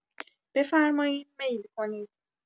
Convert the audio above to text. بفرمایین میل کنید.